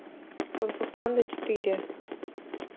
кунг фу панда четыре